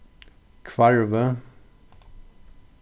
hvarvið